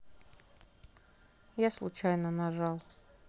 я случайно нажал